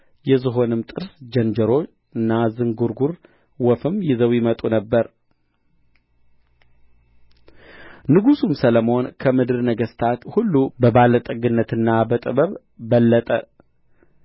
የዘሆንም ጥርስ ዝንጀሮና ዝጕርጕር ወፍም ይዘው ይመጡ ነበር ንጉሡም ሰሎሞን ከምድር ነገሥታት ሁሉ በባለጠግነትና በጥበብ በለጠ